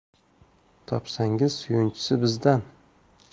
topsangiz suyunchisi bizdan